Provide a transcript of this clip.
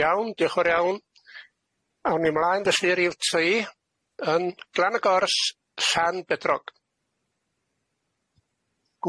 Iawn diolch yn fawr iawn awn ni mlaen felly ryw tri yn Glan y Gors Llan Bedrog.